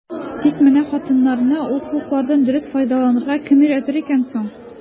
Тик менә хатыннарны ул хокуклардан дөрес файдаланырга кем өйрәтер икән соң?